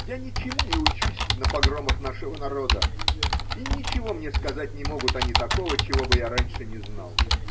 Я ничему не учусь на погромах нашего народа, и ничего мне сказать не могут они такого, чего бы я раньше не знал.